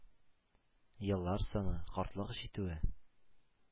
Еллар саны, картлык җитүе.